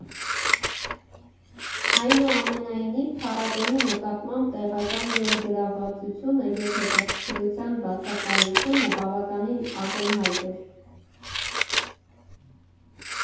Այնուամենայնիվ, փառատոնի նկատմամբ տեղական ներգրավվածության և հետաքրքրության բացակայությունը բավականին ակնհայտ էր։